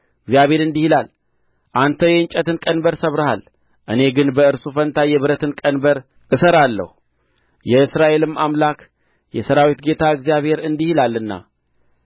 እግዚአብሔር እንዲህ ይላል አንተ የእንጨትን ቀንበር ሰብረሃል እኔ ግን በእርሱ ፋንታ የብረትን ቀንበር እሠራለሁ የእስራኤልም አምላክ የሠራዊት ጌታ እግዚአብሔር እንዲህ ይላልና